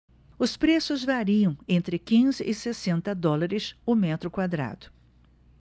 os preços variam entre quinze e sessenta dólares o metro quadrado